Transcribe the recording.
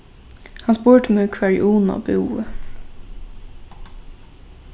hann spurdi meg hvar ið una búði